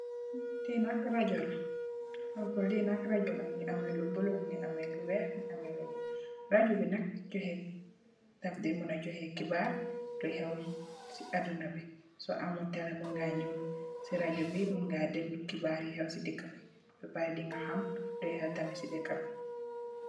Lenak rajor la mugi ameh lu bolo ameh lu weyh rajobi nak daf dey joher hebarr yu hew si ardunabi sur ammut tele rajobi muna delu hebarr yu si dekabi nga ham termit hebarr yu si dekabi